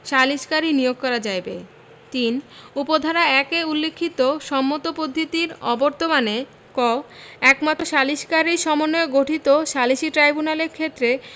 সালিসকারী নিয়োগ করা যাইবে ৩ উপ ধারা ১ এ উল্লেখিত সম্মত পদ্ধতির অবর্তমানে ক একমাত্র সালিকসারীর সমন্বয়ে গঠিত সালিসী ট্রাইব্যুনালের ক্ষেত্রে